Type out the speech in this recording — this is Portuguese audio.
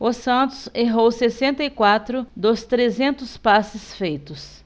o santos errou sessenta e quatro dos trezentos passes feitos